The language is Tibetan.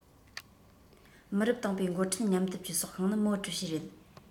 མི རབས དང པོའི འགོ ཁྲིད མཉམ སྡེབ ཀྱི སྲོག ཤིང ནི མའོ ཀྲུའུ ཞི རེད